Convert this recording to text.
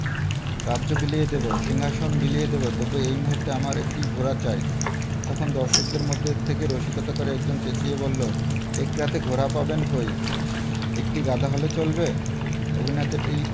রাজ্য বিলিয়ে দেবো সিংহাশন বিলিয়ে দেবো তবু এই মুহূর্তে আমার একটি ঘোড়া চাই – তখন দর্শকদের মধ্য থেকে রসিকতা করে একজন চেঁচিয়ে বললো এক রাতে ঘোড়া পাবেন কই একটি গাধা হলে চলবে অভিনেতাটি